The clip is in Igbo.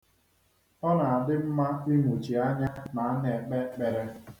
Ọ na-adị mma imuchi anya ma a na-ekpe ekpere.